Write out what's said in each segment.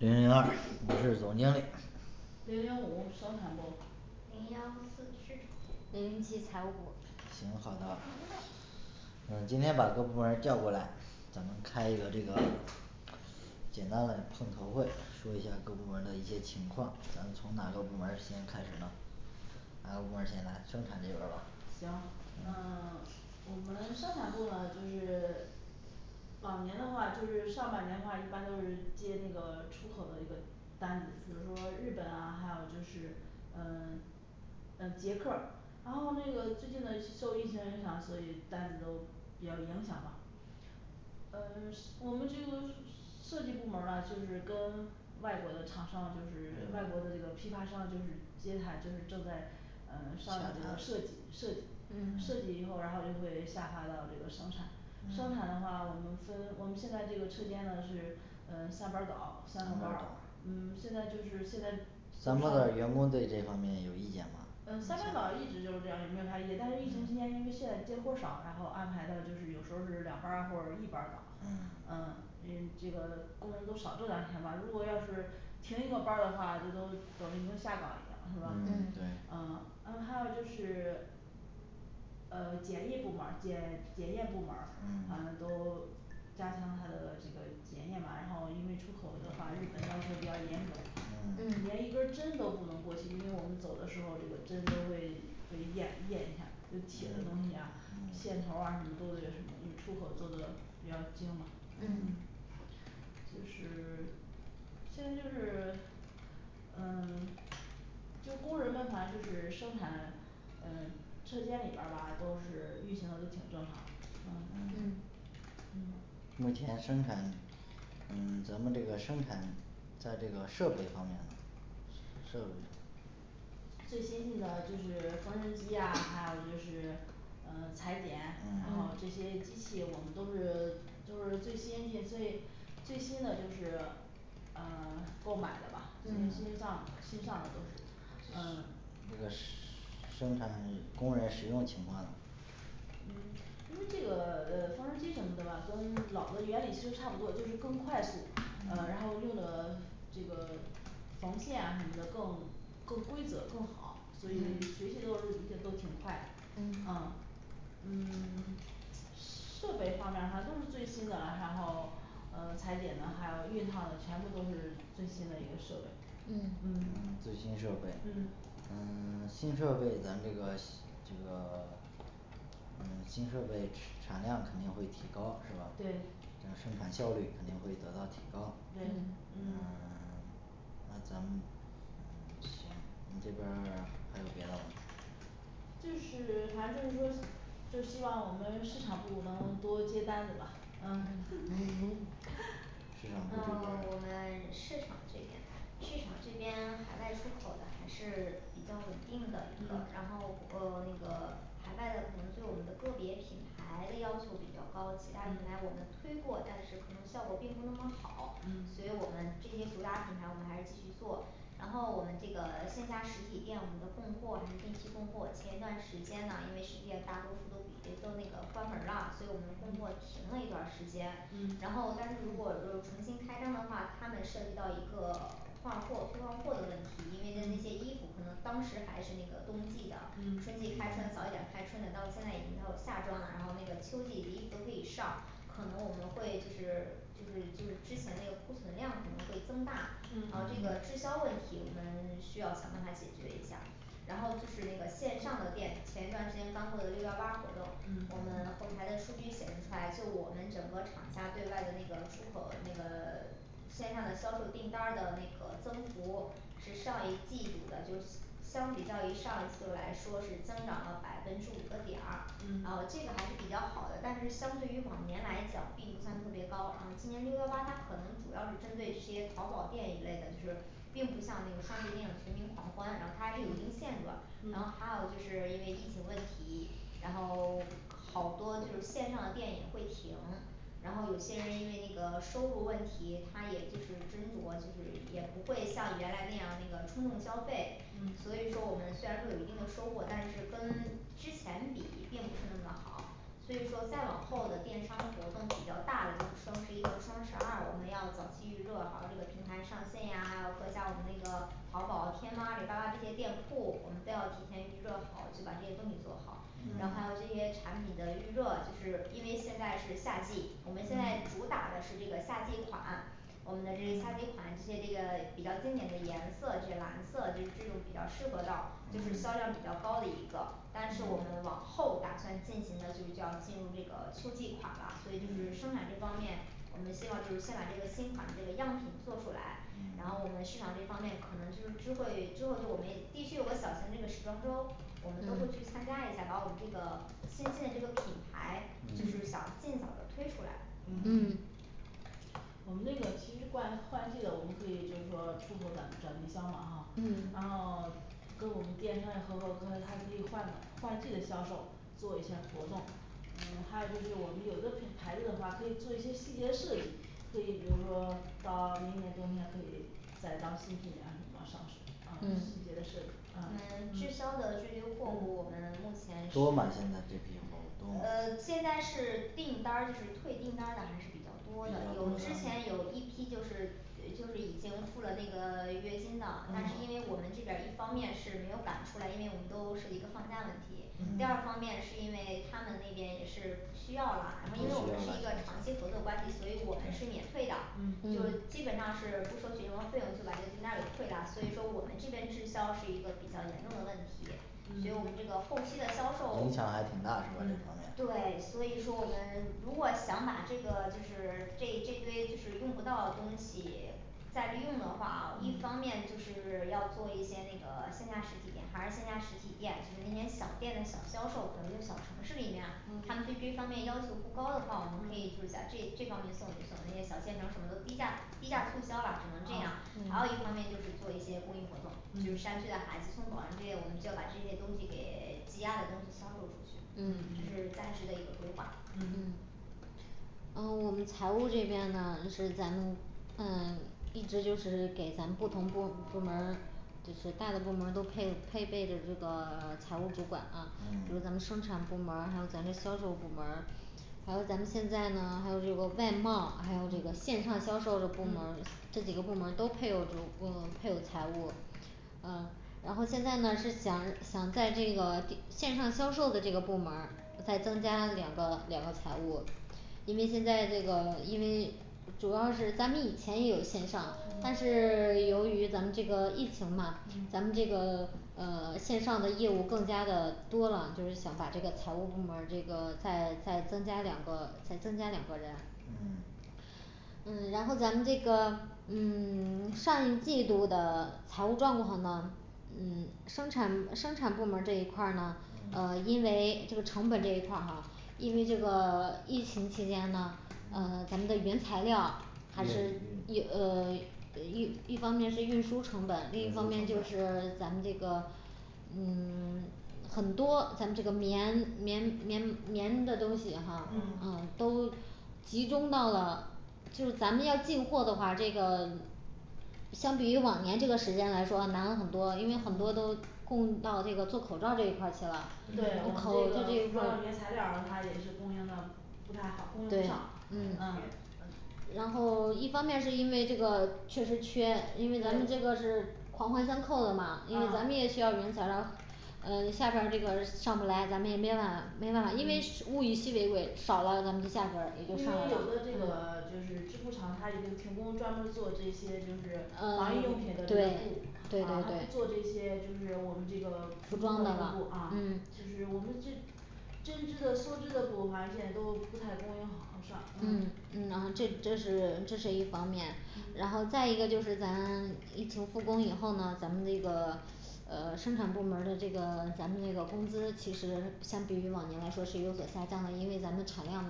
零零二我是总经理零零五生产部零幺四市场部零零七财务部行好的嗯今天把各部门儿叫过来咱们开一个这个简单嘞碰头儿会说一下各部门儿的一些情况咱们从哪个部门儿先开始呢哪个部门儿先来生产这边儿吧行呃 我们生产部呢就是往年的话就是上半年的话一般都是接那个出口的一个单子比如说日本啊还有就是嗯嗯商量这个设计设计嗯设 计以后然后就会下发到这个生产生产的话我们分我们现在这个车间呢是嗯三班儿倒三个班儿嗯现在就是现在咱们的员都上工对这方面有意见吗嗯三班儿倒一直就是这样也没有啥意见但是疫情期间因为现在接活儿少然后安排的就是有时候儿是两班儿或者是一班儿倒 嗯嗯因这个工人都少挣点儿钱吧如果要是停一个班儿的话这都等于跟下岗一样了是吧嗯 对嗯呃嗯还有就是呃检疫部门儿检检验部门儿反正嗯都加强他的这个检验吧然后因为出口的话日本要求比较严格嗯嗯连一根儿针都不能过去因为我们走的时候这个针都会被验验一下这铁的东西呀线嗯头儿啊什么都得什么因为出口做的比较精嘛嗯嗯 就是 现在就是嗯 就工人们反正就是生产嗯车间里边儿吧都是运行的都挺正常的啊嗯嗯嗯目前生产嗯咱们这个生产在这个设备方面呢设备最先进的就是缝纫机呀还有就是呃裁剪然嗯后这嗯些机器我们都是都是最先进最最新的就是呃 购买的吧因嗯为新 丧新上的都是 呃那个使 生产工人使用情况嗯因为这个呃缝纫机什么的吧跟老的原理其实差不多就是更快速呃然后用的这个缝线啊什么的更更规则更好所以学习都是应都挺快的嗯啊嗯 设备方面还都是最新的了还好呃裁剪的还有熨烫的全部都是最新的一个设备嗯嗯嗯嗯最新设备嗯嗯 新设备咱这个西 这个 嗯新设备吃 产量肯定会提高是吧呃对生产效率肯定会得到提高对嗯嗯 那咱们嗯行你这边儿 还有别的吗就是 反正就是说就希望我们市场部能多接单子吧嗯 呃 市场部这我边儿们市场这边市场这边海外出口的还是比较稳定的一个嗯然后呃那个海外的可能对我们的个别品牌的要求比较高其他品嗯牌我们推过但是可能效果并不那么好嗯所以我们这些主打品牌我们还是继续做然后我们这个线下实体店我们的供货还是定期供货前一段时间呢因为实体店大多数都比都那个关门啦所以我们供货嗯停了一段儿时间嗯然后但是如果又重新开张的话他们涉及到一个 换货退换货的问题因为就那些嗯衣服可能当时还是那个冬季的嗯春季开春早一点儿开春的到现在已经到夏装了然后那个秋季的衣服都可以上可能我们会就是就是就是之前那个库存量可能会增大然后嗯这个嗯滞销问题我们需要想办法解决一下然后就是那个线上的店前一段时间刚过了六幺八活动我嗯们后台的数据显示出来就我们整个厂家对外的那个出口那个 线上的销售订单儿的那个增幅是上一季度的就相比较于上一季度来说是增长了百分之五个点儿然嗯后这个还是比较好的但是相对于往年来讲并不算特别高然后今年六幺八它可能主要是针对这些淘宝店一类的就是并不像那个双十一那样全民狂欢然后它还是有一定限额然后还有是因为疫情问题然后 可 好多就是线上的店也会停然后有些人因为那个收入问题他也就是斟酌就是也不会像原来那样那个冲动消费嗯所以说我们虽然说有一定的收获但是跟之前比并不是那么的好所以说再往后的电商活动比较大的就是双十一和双十二我们要早期预热还有这个平台上线呀还有会在我们那个淘宝天猫阿里巴巴这些店铺我们都要提前预热好就把这些东西做好然后还嗯有这些产品的预热就是因为现在现在是夏季我们现在嗯主打的是这个夏季款我们的这夏季款嗯这些这个比较经典的颜色这些蓝色就是这种比较适合的就是销量比嗯较高的一个嗯嗯 嗯嗯嗯嗯嗯我们那个其实冠换季的我们可以就是说出口转转内销嘛哈然嗯后 跟我们电商也合伙后来他可以换嘛换季的销售做一下活动嗯还有就是我们有一个牌 牌子的话可以做一些细节设计可以比如说到明年冬天可以再当新品啊什么上市啊细对节的设计我啊们嗯滞销的这批货物我嗯们目前是多吗现在这 批货物多吗呃现在是订单儿就是退订单儿的还是比较多的有嗯之前嗯有一批就是呃就是已经付了那个预约金的但是嗯因为我们这边儿一方面是没有赶出来因为我们都是一个放假问题第嗯二方嗯面是因为他们那边也是需要啦然后因需为要我们呃是一个长把期合作关系所以我们是免嗯退的嗯就嗯基本上是不收取任何费用就把这个订单给退啦所以说我们这边滞销是一个比较严重的问题所嗯以我们嗯这个后期的销售影响还挺大是不是嗯这方面对所以说我们如果想把这个就是这这堆就是用不到东西 再利用的话啊一方嗯面就是要做一些那个线下实体店还是线下实体店就是那些小店的小销售可能是小城市里面他们嗯对这方面要求不高的话我们可以就嗯是在这这方面送一送那些小县城什么都低价低价促销啦只能这样啊还有嗯一方面就是做一些公益活动就是嗯山区的孩子送保温这些我们就要把这些东西给 积压的东西销售出去嗯嗯这是嗯暂时的一个规划嗯嗯嗯我们财务这边呢是咱们嗯一直就是给咱们不同部部门儿就是大的部门儿都配配备的这个 财务主管啊比如咱们嗯生产部门儿还有咱嘞销售部门儿还有咱们现在呢还有这个外贸还有这个嗯线上销售的部门儿嗯这几个部门儿都配有足够配有财务呃然后现在呢是想想在这个地 线上销售的这个部门儿再增加两个两个财务因为现在这个因为主要是咱们以前也有线上但嗯是 由于咱们这个疫情嘛咱嗯们这个呃线上的业务更加的多了就是想把这个财务部门儿这个再再增加两个再增加两个人嗯嗯然后咱们这个嗯 上一季度的财务状况呢嗯生产生产部门儿这一块儿呢呃因为这个成本这一块儿哈因为这个 疫情期间呢呃咱们的原材料还运是运一呃 呃一一方面是运输成运输成本另一方面就本是咱们这个嗯 很多咱们这个棉棉棉棉的东西哈嗯啊都集中到了就咱们要进货的话这个相比于往年这个时间来说难了很多了因为很多都供到这个做口罩这一块儿去对我们这个服了我们口罩这一块装的原材儿料儿它也是供应的不太好供应不上，啊对呃然后一方面是因为这个确实缺因为咱们这对个是环环相扣的嘛因为咱们啊也需要原材料儿呃下边儿这个上不来咱们也没办法没办法因为嗯物以稀为贵少了咱们的价格儿也因就为上来了有的这啊个就是织布厂它已经停工专门儿做这些就是呃防疫用品对的这个对对布啊它不做这对些就是我们这个服普装通的的用了布啊嗯就是我们这针织的梭织的布反正现在都不太供应好好上嗯嗯嗯嗯然后这这是这是一方面然嗯后再一个就是咱疫情复工以后呢咱们那个呃生产部门儿的这个咱们那个工资其实相比于往年来说是有所下降的因为咱们产量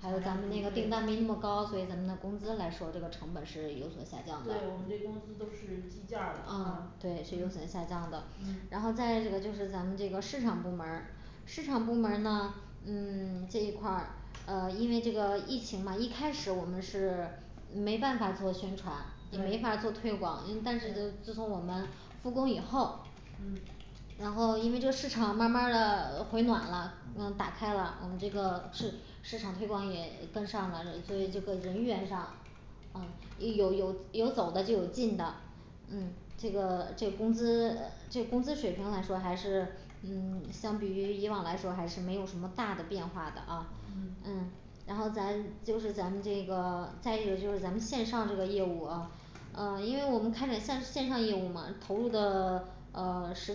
还有产咱们那量个低对订单没那么高所以咱们的工资来说这个成本是有所下降的对我们这工资都是计件儿的啊啊嗯对是有所下降的然嗯后再一个就是咱们这个市场部门儿市场部门儿呢嗯 这一块儿呃因为这个疫情嘛一开始我们是没办法做宣传没法儿对做推广嗯但是对自从我们复工以后嗯然后因为这个市场慢慢儿的回暖啦嗯打开了我们这个市市场推广也跟上了所以这个人员上啊有有有走的就有进的嗯这个这工资这工资水平来说还是嗯 相比于以往来说还是没有什么大的变化的啊嗯嗯然后咱就是咱这个再一个就是咱们线上这个业务啊啊因为我们开展向线上业务嘛投入的 呃时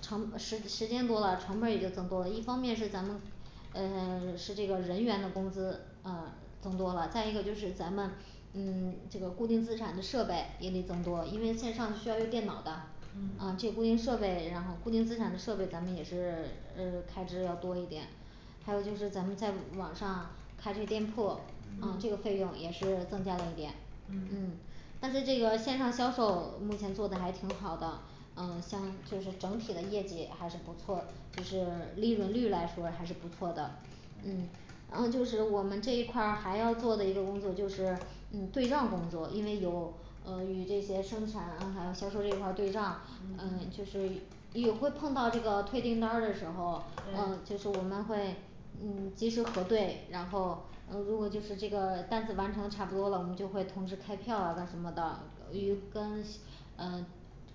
成时时间多了成本儿也就增多了一方面是咱们呃 是这个人员的工资啊增多了再一个就是咱们嗯这个固定资产的设备也得增多因为线上需要用电脑的啊嗯这固定设备然后固定资产的设备咱们也是 呃开支要多一点还有就是咱们在网上开这店铺这个嗯啊费用也是增加了一点嗯嗯嗯但是这个线上销售目前做的还挺好的嗯像就是整体的业绩还是不错就是利润率来说还是不错的嗯然后就是我们这一块儿还要做的一个工作就是嗯对账工作因为有呃与这些生产还有销售这一块儿对账嗯嗯就是你有会碰到这个退订单儿的时候啊对就是我们会嗯及时核对然后呃如果就是这个单子完成的差不多了我们就会通知开票啊干什么的与跟啊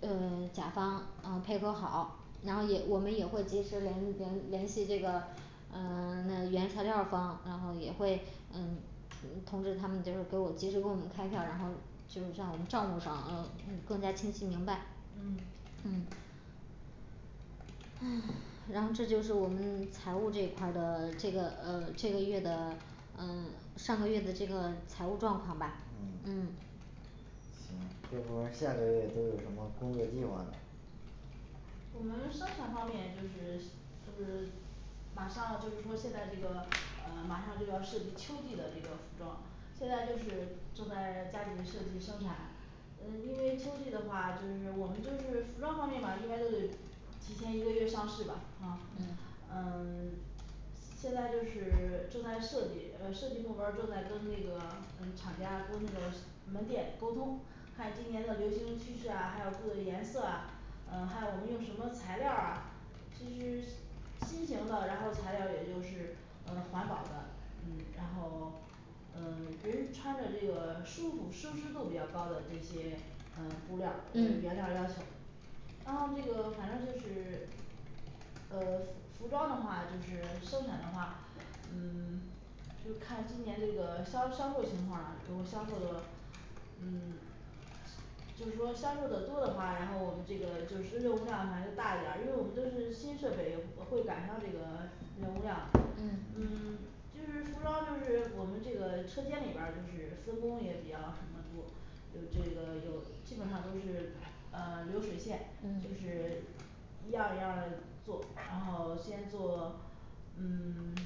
呃甲方啊配合好然后也我们也会及时联联联系这个呃 那原材料儿方然后也会嗯嗯通知他们及时给我及时给我们开票然后就是在我们账户上呃更加清晰明白嗯嗯嗯然后这就是我们财务这一块儿的这个呃这个月的嗯上个月的这个财务状况吧嗯嗯行各部门儿下个月都有什么工作计划呢我们生产方面就是都是马上就是说现在这个呃马上就要设计秋季的这个服装现在就是正在加紧设计生产嗯因为秋季的话就是我们就是服装方面嘛一般都得提前一个月上市吧啊嗯嗯 现在就是 正在设计呃设计部门儿正在跟那个嗯厂家跟那个门店沟通看今年的流行趋势啊还有布的颜色啊呃还有我们用什么材料儿啊就是新型的然后材料也用是呃环保的嗯然后呃人穿的这个舒服舒适度比较高的这些呃布料儿呃嗯原料儿要求然后这个反正就是呃服 服装的话就是生产的话嗯 就看今年这个销销售情况了如果销售的嗯 就是说销售的多的话然后我们这个就是任务量还是大一点儿因为我们都是新设备也会赶上这个任务量嗯嗯 就是服装就是我们这个车间里边儿就是分工也比较什么多有这个有基本上都是呃流水线就嗯是一样儿一样儿嘞做然后先做嗯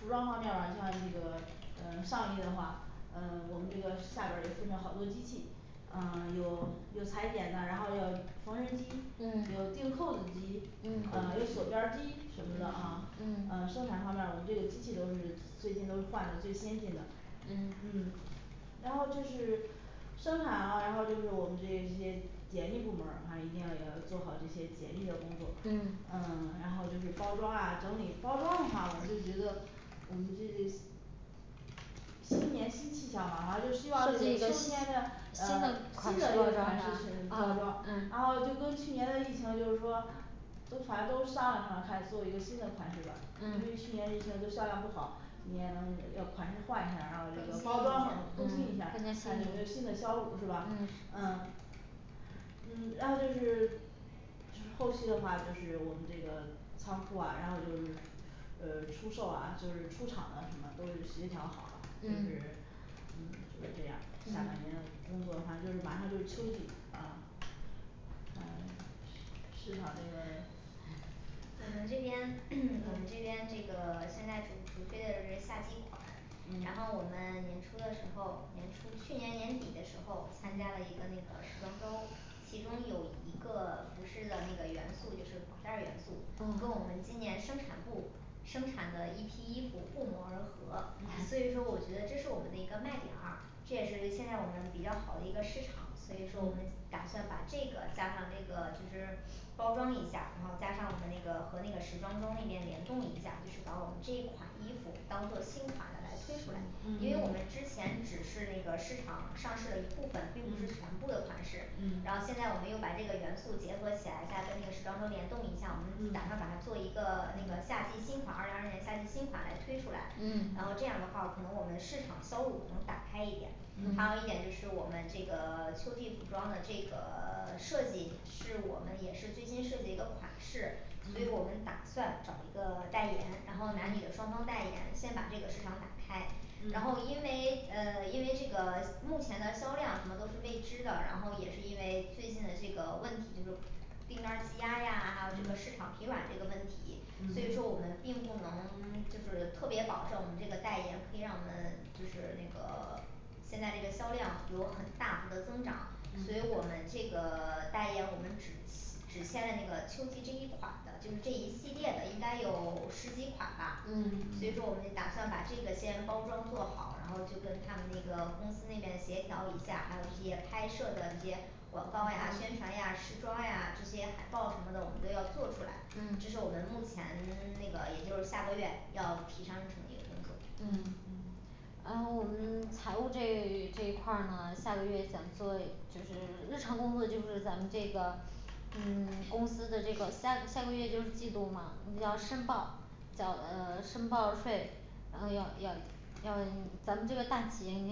服装方面吧你像这个呃上衣的话呃我们这个下边儿又分了好多机器啊有有裁剪的然后有缝纫机嗯有钉扣子机嗯啊有锁边儿机什么的啊嗯嗯生产方面儿我们这个机器都是最近都换的最先进的嗯嗯然后就是生产哦然后就是我们这些检疫部门儿还一定要要做好这些检疫的工作嗯嗯然后就是包装啊整理包装的话我就觉得我们这新年新气象嘛反正就希望这设计一个个秋新天 的呃新新的一的个款款式式这样的品包啊装嗯然后就跟去年的疫情就是说 都反正都商量商量看做一个新的款式吧因为嗯去年疫情都销量不好今年能要款式换一下儿嗯然后这个包装更新一下更新一嗯下看有更加新颖没有新的销路是吧嗯嗯嗯然后就是就是后期的话就是我们这个仓库啊然后就是呃出售啊就是出厂的什么都是协调好了就嗯是嗯就是这样下半年的嗯工作反正就是马上就是秋季啊呃市市场我们这这个边 嗯我们这边这个现在主主推的就是夏季款然嗯后我们年初的时候年初去年年底的时候参加了一嗯个那个时装周其中有一个服饰的那个元素就是绑带儿元素嗯跟我们今嗯年生产部生产的一批衣服不谋而合所嗯以说我觉得这是我们的一个卖点儿这也是现在我们比较好的一个市场所以说我们嗯打算把这个加上这个就是包装一下然后加上我们那个和那个时装周那边联动一下就是把我们这一款衣服当做新款的来推出来因为我嗯们之前只是那个市场上市了一部分并不是嗯全部的款式嗯然后现在我们又把这个元素结合起来再跟那个时装周联动一下我们打算嗯把它做一个那个夏季新款二零二零年夏季新款来推出来嗯嗯然后这样的话可能我们市场销路可能打开一点还嗯有一点就是我们这个 秋季服装的这个 设计是我们也是最新设计一个款式所以我嗯们打算找一个代言然后男女嗯的双方代言先把这个市场打开然嗯后因为呃因为这个目前的销量什么都是未知的然后也是因为最近的这个问题就是订单儿积压呀还有这个嗯市场疲软这个问题所以嗯说我们并不能 就是特别保证我们这个代言可以让我们就是那个 现在这个销量有很大幅的增长所以嗯我们这个 代言我们只只签了这个秋季这一款的就是这一系列的应该有十几款吧所嗯嗯以说我们也打算把这个先包装做好然后就跟他们那个公司那边协调一下还有这些拍摄的这些广告呀宣传呀时装呀这些海报什么的我们都要做出来这嗯是我们目前 那个也就是下个月要提上日程的一个工嗯嗯作嗯啊我们财务这 这一块儿呢下个月想做就是日常工作就是咱们这个嗯 公司的这个下下个月就是季度嘛要申报叫呃申报税然后要要要 咱们这个大企业应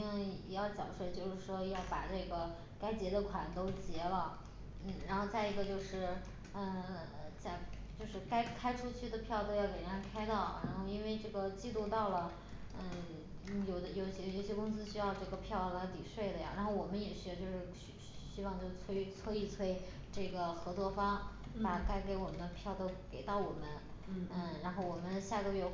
也要缴税所以说要把这个该结的款都结了嗯然后再一个就是呃 在就是该开出去的票都要给人家开到然后因为这个季度到了嗯 有的嗯有几个有些公司需要这个票来抵税的呀然后我们也也就是希 希望他催催一催这个合作方把嗯该给我的票都给到我们嗯嗯然后嗯我们下个月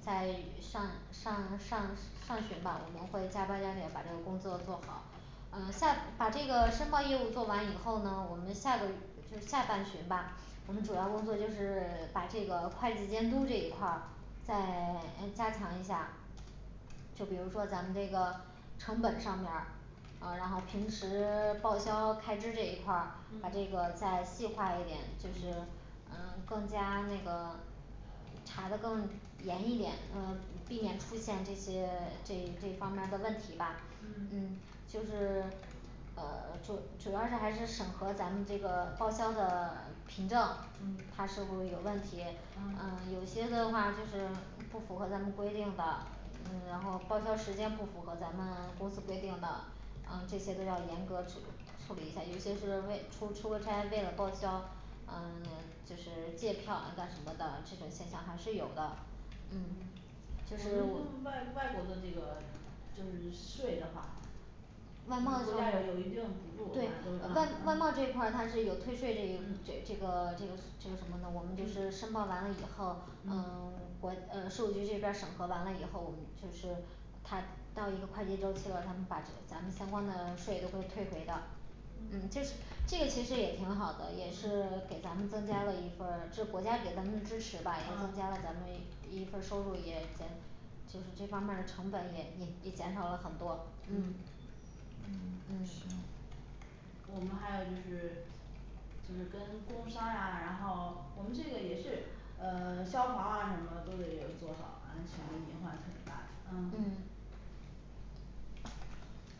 在上上上上旬吧我们会加班加点把这个工作做好啊下把这个申报业务做完以后呢我们下个就是下半旬吧我们主嗯要工作就是把这个会计监督这一块儿再 加强一下就比如说咱们这个成本上面儿呃然后平时报销开支这一块儿把这嗯个再细化一点就是嗯更加那个查得更严一点呃避免出现这些这这方面儿的问题吧嗯嗯就是 呃 主主要是还是审核咱们这个报销的 凭证它嗯是否有问题嗯啊有些的话就是不符合咱们规定的嗯然后报销时间不符合咱们公司规定的啊这些都要严格去处理一下有一些是为出出个差为了报销嗯 就是借票啊干什么的，这种现象还是有的嗯就我们是跟外外国的这个就是税的话我外们贸这国家有有一定补助反对正都外外贸这一是块啊啊儿它是有退税这一这嗯这个这个这个什么的我们就是申嗯报完了以后嗯嗯 国呃税务局这边儿审核完了以后我们就是它到一个会计周期了他们把咱们相关的税都会退回的嗯这这个其实也挺好的也是嗯给咱们增加了一份儿这国家给咱们的支持吧也增加啊了咱们一一份儿收入也减就是这方面儿的成本也也也减少了很多嗯嗯嗯嗯行嗯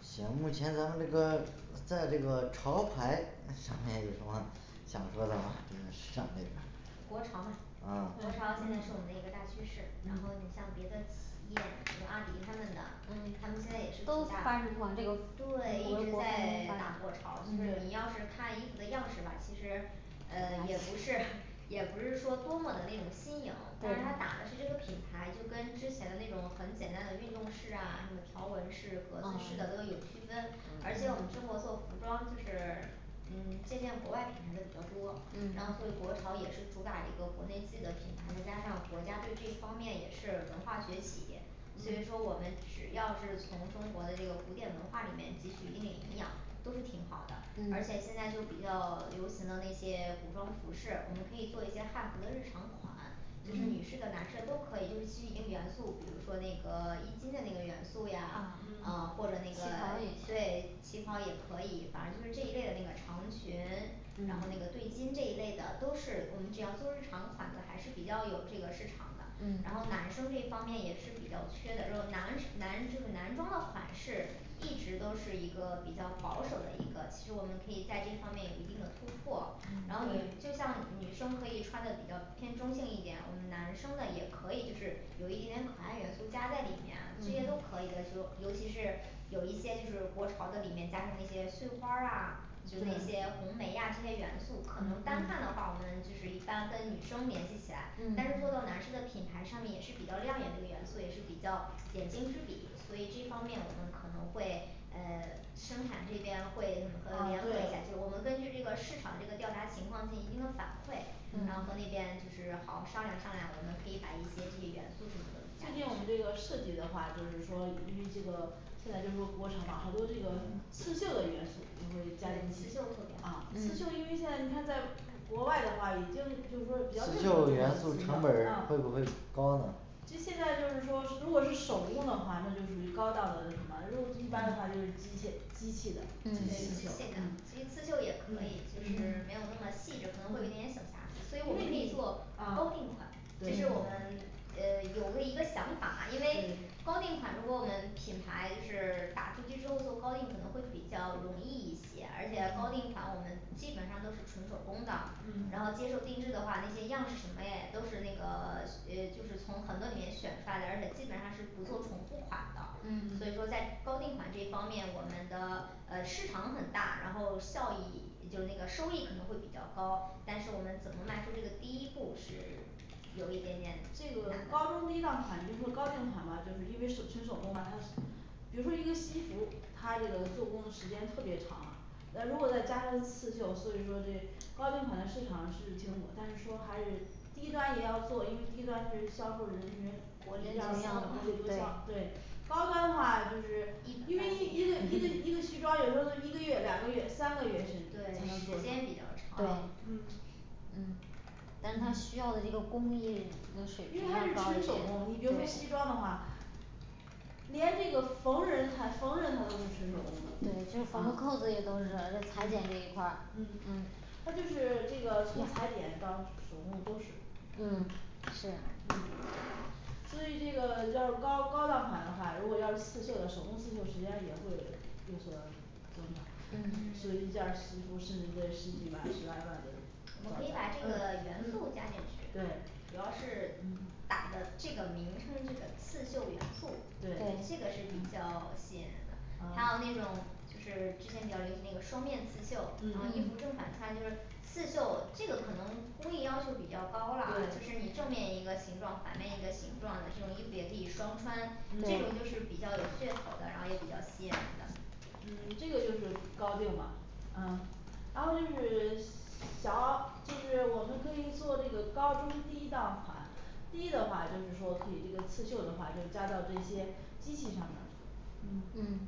行目前咱们这个在这个潮牌嗯上面有什么想说的吗这个市场这边儿国潮嘛啊国潮对现在是我嗯们的一个大趋势然后你嗯像别的企业就是阿迪他们的嗯他们现在也是都独开大始往这个传对统一中直国文明在发展打就国潮是你要是看衣服的样式吧其实呃也不是 也不是说多么的那种新颖但是它对打的是这个品牌就跟之前的那种很简单的运动式啊什么条纹式格子式的啊都有区分而且我们中国做服装就是 嗯借鉴国外品牌的比较多然后嗯所以国潮也是主打一个国内自己的品牌再加上国家对这方面也是文化崛起所以说嗯我们只要是从中国的这个古典文化里面汲取一定的营养都是挺好的而且嗯现在就比较流行的那些古装服饰我们可以做一些汉服的日常款就是女士嗯嗯的男士都可以就是基于一定元素，比如说那个衣襟的那个元素呀啊嗯啊或者那旗袍个的 也对行旗袍也可以反正就是这一类的那个长裙然后那嗯个对襟这一类的都是我们只要做日常款的还是比较有这个市场的然后嗯男生这方面也是比较缺的就是男式男就是男装的款式一直都是一个比较保守的一个其实我们可以在这方面有一定的突破然后嗯以对就像女生可以穿的比较偏中性一点我们男生的也可以就是有一点点可爱元素加在里面这些都嗯可以的就尤其是有一些就是国潮的里面加入了一些碎花儿啊就是一对些红梅呀这些元素可能嗯单看的嗯话我们就是一般跟女生联系起来但是嗯做到男生的品牌上面也是比较亮眼的一个元素也是比较点睛之笔所以这方面我们可能会哎 生产这边会什么和啊联合一下就对是我们根据这个市场这个调查情况进行一定的反馈然后和那嗯嗯边就是好好商量商量我们可以把一些这些元素什么都加最进近我们这去个设计的话就是说因为这个嗯对刺绣特点好嗯刺绣元素成本儿会不会高呢其现在就是说如果是手工的话那就属于高档的那什么如果一般的话就是机械机器的对机器的刺绣嗯其实刺绣也可以嗯就是没嗯有那么细嗯因致可能会有点小瑕疵所以我们为可以你做高啊定款对其实我们呃有了一个想法因为对高定款如果我们品牌就是打出去之后做高定可能会比较容易一些而且高定款我们基本上都是纯手工的然嗯后嗯接受定制的话那些样式什么也都是那个 呃就是从很多里面选出来的而且基本上是不做重复款的所以嗯说嗯在高定款这方面我们的呃市场很大然后效益 就那个收益可能会比较高但是我们怎么迈出这个第一步是有一点点这难个高中的低档款就是说高定款吧就是因为是纯手工嘛它比如说一个西服它这个做工的时间特别长了那如果再加上刺绣所以说这高精款的市场是挺火但是说还是低端也要做因为低端是销售人薄员利多量啊销薄利多销对对高端的话就是一因为一一个一个本一个西万利 装有时候是一个月两个月三个月甚至才对能做时出间比较来长对嗯嗯但是它需要的这个工艺的水因为平要它是高一纯些手工，你比如说对西装的话 连这个缝纫它缝纫它都是纯手工对的就是缝个扣子也都是啊那裁剪这一块儿嗯嗯嗯它就是这个从裁剪到手工都是嗯嗯是嗯所以这个要是高高档款的话如果要是刺绣的手工刺绣时间也会有所增长嗯嗯所以一件 儿西服甚至得十几万十来万的我们造可以把价这个元嗯嗯素加进去对主要是嗯打的这个名称这个刺绣元素这对对个是比较嗯吸引人的还有那呃种就是之前比较流行那个双面刺绣然后衣嗯服正嗯反穿就是刺绣这个可能工艺要求比较高啦就是对你正面一个形状反面一个形状的这种衣服也可以双穿这种就是对嗯比较有噱头的然后也比较吸引人的嗯这个就是高定吧嗯然后就是小就是我们可以做这个高中低档款低的话就是说可以这个刺绣的话就加到这些机器上面儿做嗯嗯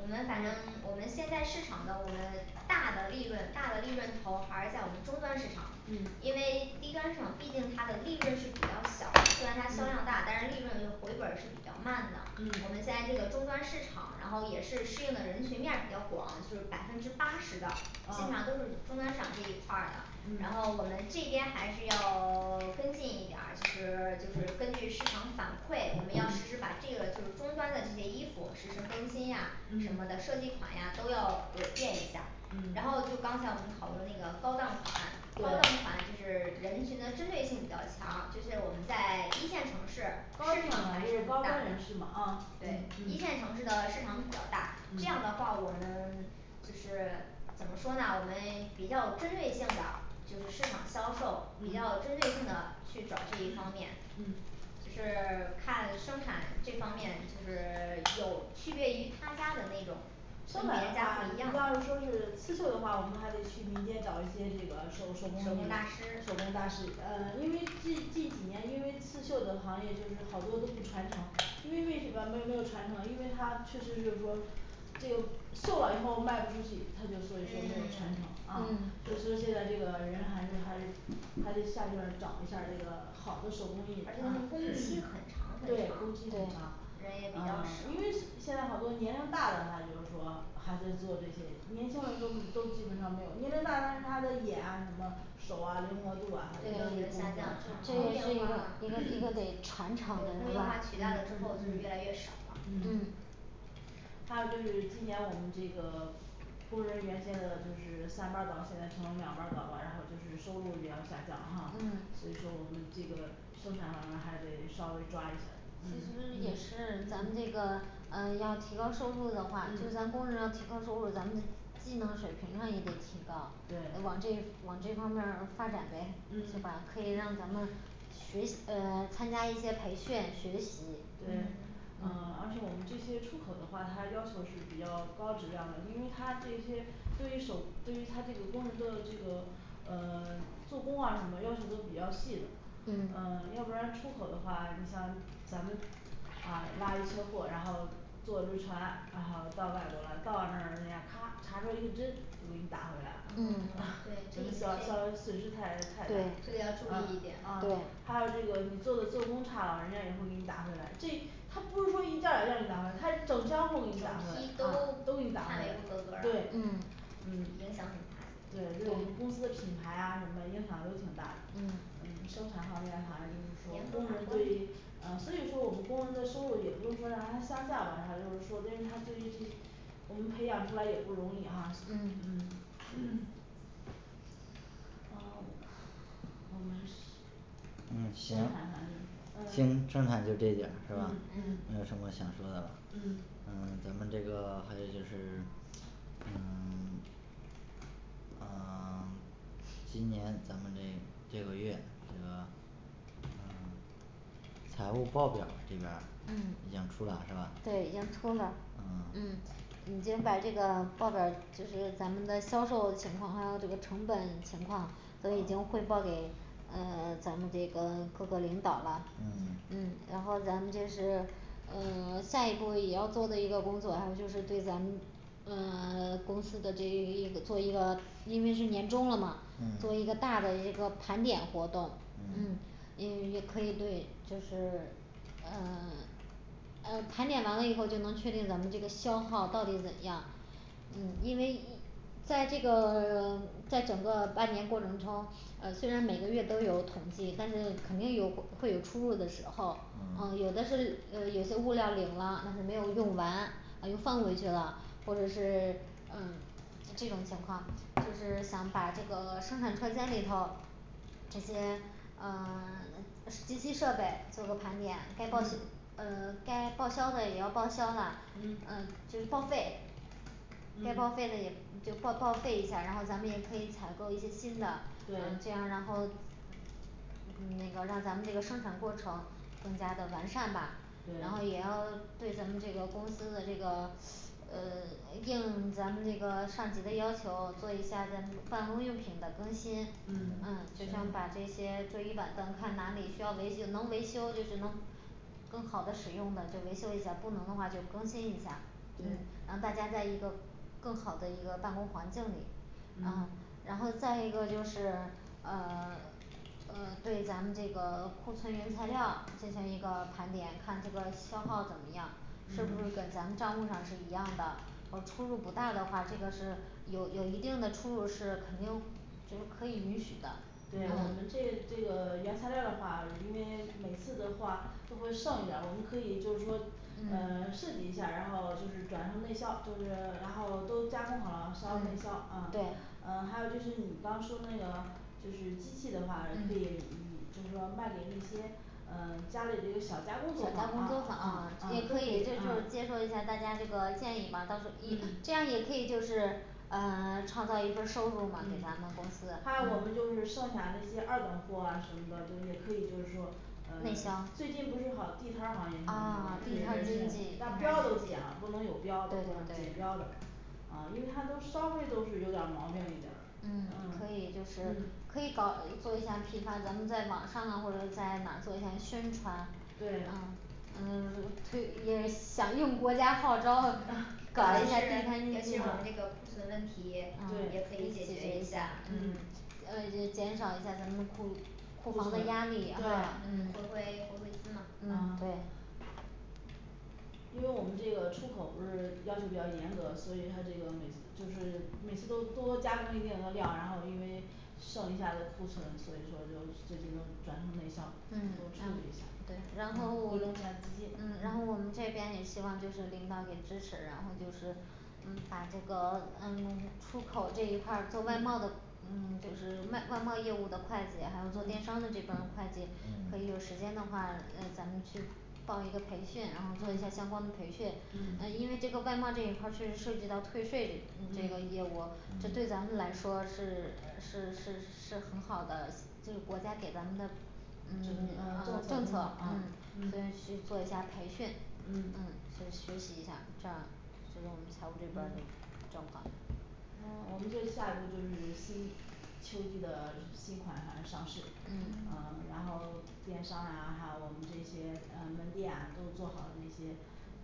我们反正嗯我们现在市场的我们大的利润大的利润头还是在我们中端市场嗯因为低端市场毕竟它的利润是比较小虽然它销量大嗯但是利润又回本儿是比较慢的我们嗯在这个中端市场然后也是适应的人群面比较广就是百分之八十的基本上都是啊中端市场这一块儿的然后嗯我们这边还是要 跟进一点儿就是就是根据市场反馈我们要实时嗯把这个就是中端的这些衣服实时更新呀什么的嗯设计款呀都要呃变一下然后嗯就刚才我们讨论那个高档款高档对款就是人群的针对性比较强就是我们在一线城市高定市场款还就是是很高大的端人士嘛啊嗯对嗯一嗯线城市的市场比较大这样的话我们 就是怎么说呢我们比较有针对性的就是市场销售嗯比较有针对性的去找这一 方面嗯就是看生产这方面就是 有区别于他家的那种跟生别产的家话不一你样要是说是刺绣的话我们还得去民间找一些这个手手手工艺手工大师工大师呃因为最近几年因为刺绣的行业就是好多都不传承因为为什么没没有传承因为他确实就是说这个绣完以后卖不出去他就所以说没有传承嗯 啊嗯所以说现在这个人还是还是还得下去再找一下儿这个好的手工而且艺这人啊种工期很 对长工期很很长长对人也比较啊因为少现在好多年龄大的他就是说还在做这些年轻人都都基本上没有年龄大但是他的眼啊什么手啊灵活度啊他对就都已经下降啦这所工也以不是一一业样啊个化一个一个得传对承的工是业化吧取代了嗯之后嗯就越嗯来越少了嗯嗯 还有就是今年我们这个 工人原先的就是三班儿倒现在成两班儿倒吧然后就是收入也要下降哈所以说我们这个生产方面还得稍微抓一下嗯嗯其嗯嗯实也是咱们这嗯个呃要提高收入的话就嗯咱工人要提高收入咱们的技能水平上也得提高，往对这往这方面儿发展呗，是吧？ 可嗯以让咱们嗯学呃参加一些培训学习对对嗯而且我们这些出口的话，它要求是比较高质量的，因为它这些对于手对于它这个工人的这个呃 做工啊什么要求都比较细的呃嗯要不然出口的话你像咱们啊拉一车货，然后坐轮船然后到外国了到那儿人家咔查着一个针就给你打回来了嗯， 嗯 对咱这个们小小是损失太太大对嗯这个要注意一点啊，对还有这个你做的做工差了，人家也会给你打回来这对他不是说一件儿一件儿给你打回来，他整箱货整给批你打回来，都都给你打回判你不合格来，儿了对嗯嗯影响很大就对对我们公司的品牌啊什么影响都挺大的。嗯嗯生产方面还是就严是说格工把人控对，嗯所以说我们工人的收入也不能说让它下降吧，然后就是说对于他对于这我们培养出来也不容易哈嗯嗯 嗯五 我们嗯是 生行产生好像产就就是这点儿是什么，呃吧，嗯没有嗯什么想说的了，嗯嗯咱们这个还有就是嗯 嗯 今年咱们这这个月呃嗯财务报表儿这边儿已嗯经出了是吧对已经出了，嗯嗯已经把这个报表儿就是咱们的销售情况，还有这个成本情况都已经汇啊报给呃咱们这个各个领导了。嗯嗯然后咱们这是呃 下一步儿也要做的一个工作，还有就是对咱们呃 公司的这 做一个因为是年终了嘛，作为一嗯个大的一个盘点活动嗯嗯嗯 也可以对就是呃 呃盘点完了以后就能确定咱们这个消耗到底怎样嗯因为在这个 在整个半年过程中，呃虽然每个月都有统计，但是肯定有会有出入的时候，呃有的啊是呃有些物料领了，但是没有用完啊又放回去了或者是嗯这种情况就是想把这个生产车间里头这些嗯 机器设备做个盘点，该报嗯呃该报销的也要报销了，呃嗯就报废该报废嗯的也就报报废一下，然后咱们也可以采购一些新的这样，对然后嗯那个让咱们这个生产过程更加的完善吧，然后也对要对咱们这个公司的这个呃应咱们那个上级的要求做一下咱们办公用品的更新嗯，嗯嗯就像把这行些桌椅板凳看哪里需要维修，能维修就是能更好的使用的就维修一下，不能的话就更新一下对然后大家在一个更好的一个办公环境里，啊嗯然后再一个就是呃 呃对咱们那个库存原材料进行一个盘点，看这个消耗怎么样，是不是嗯跟咱们账户上是一样的哦出入不大的话，这个是有有一定的出入，是肯定就可以允许的对我们这这个原材料儿的话，因为每次的话都会剩一点儿，我们可以就是说呃嗯 设计一下儿，然后就是转成内销，就是然后都加工好了销内销。啊对呃还有就是你刚刚说的那个就是机器的话可以嗯就是说卖给那些呃家里这个小加小加工工作坊作啊坊啊啊啊都也可可以以就就是接啊受一下大家这个建议嘛，到时候也这嗯样也可以就是呃 创造一份儿收入嗯嘛给咱们公司 还有我们就是剩下那些二等货啊什么的都也可以，就是说内销呃最近不是好地摊儿行业，什么什啊 地摊儿经济么对把对标都对剪了，不能有标的都是剪标的啊因为它都稍微都是有点儿毛病一点儿了，嗯嗯可以就是嗯可以搞做一下批发，咱们在网上啊或者在哪儿做一下宣传啊对嗯 推也响应国家号召，尤其是尤其 搞一下地摊经济是我们这个的库存问题也啊可对以解解决决一一下下嗯嗯呃也减少一下咱们库库库房的存压力回回回对嗯回资嘛啊对因为我们这个出口不是要求比较严格，所以他这个每次就是每次都多加工一定的量然后因为剩余下的库存，所以说就最近都转成内销都嗯处，然理一下，对然后我回们笼一下资金嗯然后我们这边也希望就是领导给支持，然后就是嗯把这个嗯出口这一块儿做外贸嗯的嗯就是卖外贸业务的会计，还有做电商嗯的这帮会计，可以有时嗯间的话呃咱们去报一个培训，然后做一下相嗯关的培训，呃嗯因为这个外贸这一块儿确实涉及到退税这个业嗯务，这对咱们嗯来说是是是是很好的，就国家给咱们的嗯政呃呃政政策挺好策，啊嗯，嗯所以去做一下培训，嗯嗯就学习一下这样。这是我们财务这边儿的嗯状况呃我们这下一步就是新秋季的新款反正上市，嗯嗯嗯然后电商呀还有我们这些嗯门店啊都做好这些，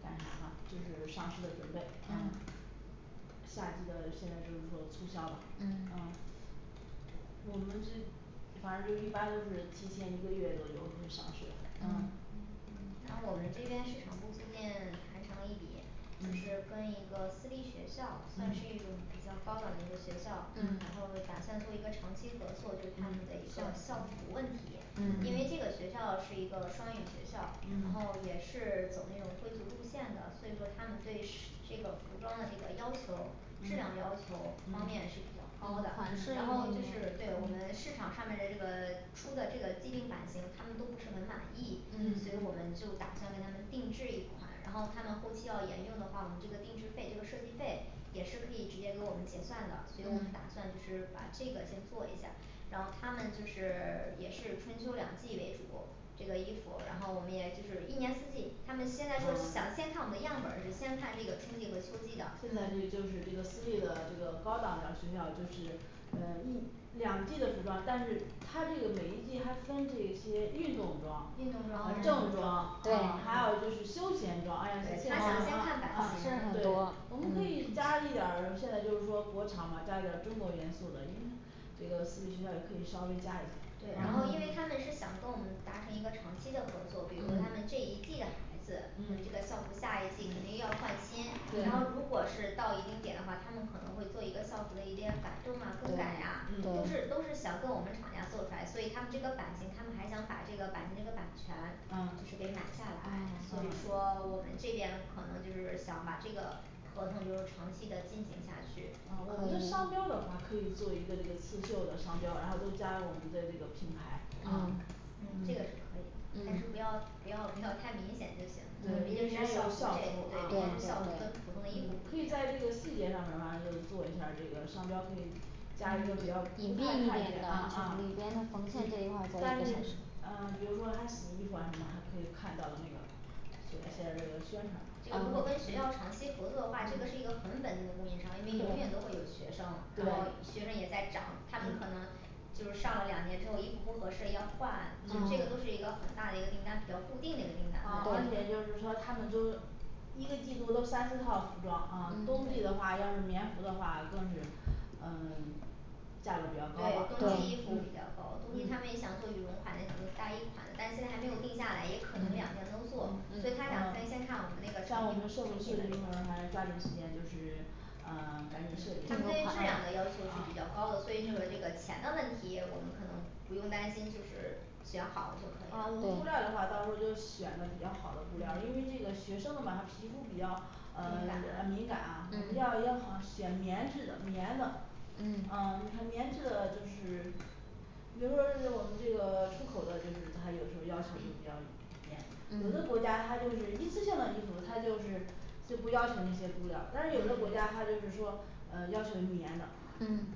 干啥吧？就是上市的准备嗯嗯夏季的现在就是说促销吧，嗯嗯我们是反正就一般都是提前一个月都有会上市嗯然嗯后我们这边市场部最近谈成了一笔就是嗯跟一个私立学校算是一种嗯比较高档一个学校，然嗯后打算做一个长期合作，就他们的一个校校服服问题嗯因为这个嗯学校是一个双语学校，然后嗯也是走那种贵族路线的，所以说他们对是这个服装的这个要求质量要求嗯方面是比较嗯高的，款式那然嗯后就是对个我们市场上面的这个出的这个既定版型他们都不是很满意嗯，所以我们就嗯打算给他们定制一款，然后他们后期要沿用的话，我们这个定制费这个设计费也是可以直接给我们结算的，所以我们打嗯算就是把这个先做一下。然后他们就是 也是春秋两季为主这个衣服，然后我们也就是一年四季，他们现在说想啊先看我们的样本儿是先看这个春季和秋季的现在这就是这个私立的这个高档的学校就是嗯一两季的服装，但是他这个每一季还分这些运动装、运动装呃还是什么正装装，对，对嗯还有就是休闲装，哎呀，他啊想先看版啊对型，我们可以加一点儿，现在就是说国潮嘛加一点儿中国元素的，因为他这个私立学校也可以稍微加一下啊嗯嗯嗯嗯对嗯嗯呃啊啊啊合同就是长期的进行下去啊我可们的商标以的话可以做一个这个刺绣的商标，然后都加入我们的这个品牌，啊嗯这个是可以的，但是不要不要不要太明显就行嗯嗯，对毕因为竟人家有是校校服服这啊对啊，毕竟是校服跟普通的衣服嗯不可一以在这个细样节上面儿反正就是做一下儿，这个商标可以加一个比较不太看见啊啊里边的缝线这一块儿怎，么合但适是嗯比如说他啊洗衣服什么还可以看到的那个做对一些这这个宣传，嗯嗯个如嗯嗯果对跟学校长期合作的话，这个是一个很稳定的供应商，因为永远都会有学生，然后学生也在长嗯他们可能就是上了两年之后衣服不合适要换嗯，这个都是一嗯啊个很大的一个订单比较固定的一个订单啊而且就是说他们都一个季度都三四套服装啊，冬季的话要是棉服的话更是嗯 价格比较高嘛啊对嗯冬季衣服比较高冬嗯季，他们也想做羽绒款也想做大衣款的，但现在还没有定下来，也嗯嗯啊可能两件都做，所以他对想所以先看我们那个成像我品们成设设品的那计部门儿还个抓紧时间就是啊赶紧设计他们出对于质来量啊的要求是比较啊高的，所以就说这个钱的问题我们可能不用担心，就是选好的就可我们以了布料的对话到时候就选择比较好的布料，因为嗯这个学生呢吧他皮肤比较呃呃敏敏感啊感，，我们要嗯要可能选棉质的棉的，嗯嗯你看棉质的就是比如说是我们这个出口的就是，它有的时候要求就比较严，有的国嗯家它就是一次性的衣服，它就是所以不要求那些布料，但是有的国家嗯它就是说嗯要求棉的嗯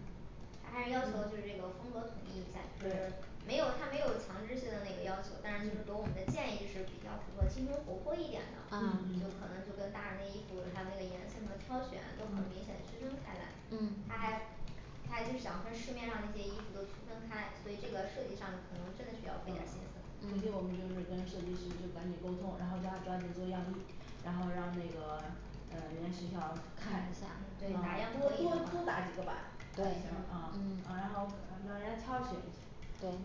他还是要求就是这嗯个风格统一一下，就是对没有他没有强制性的那个要求，当然就是给我们的建议就是比较符合青春活泼一点的，嗯就啊可嗯能就跟大人的衣服还有那个颜色什么挑选都很明显嗯区分开来。他嗯还他还就想跟市面上那些衣服都区分开，所以这个设计上可能真的需要啊费点儿心思回去我们就嗯是跟设计师就赶紧沟通，然后叫他抓紧做样衣嗯看一下嗯对打样可以的话对嗯嗯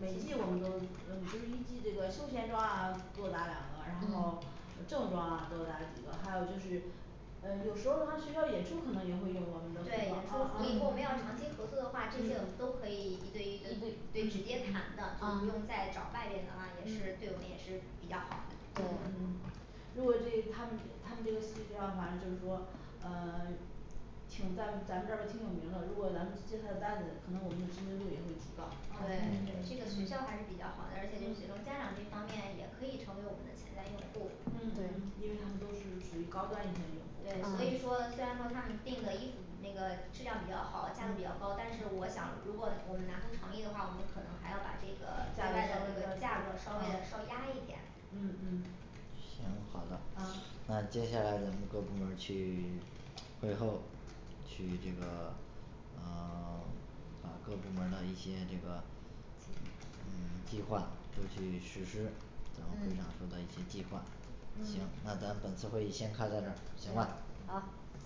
每季我们就都嗯不是一季这个休闲装啊多打两个，然后嗯正装啊多打几个，还有就是嗯有时候的话学校演出可能也会用我们的服对，演装，出啊啊服嗯以后我们要长期合作的话，这些我们嗯都可以一对一的，一对对直接嗯谈嗯的，就不用啊再找外边的了，也是对我嗯们也是比较好嗯的对嗯如果这他们这 他们这个私立学校反正就是说呃 挺在咱们这儿边挺有名的，如果咱们接他的单子，可能我们的知名度也会提高啊对啊对这个学校嗯还是比较好的，而且这嗯家长这方面也可以成为我们的潜在用户嗯对因嗯为他们都是属于高端一些对的用所以说虽户然说他们定的衣服那个质量比较好，价格比较高，但是我想如果我们拿出诚意的话，我们可能还要把这个现价格稍在的这个价格稍微微的的稍压一那个点啊嗯嗯行好的，啊那接下来咱们各部门儿去 会后去这个嗯 把各部门儿的一些这个嗯计划都去实施，然后分享出嗯咱一些计划。行，那嗯咱本次会议先开到这儿行行吧？好嗯